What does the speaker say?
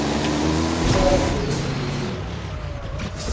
танцы руки вверх